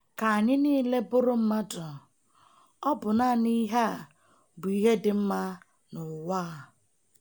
Ka anyị niile burụ mmadụ, ọ bụ naanị ihe a bụ ihe dị mma n'ụwa a.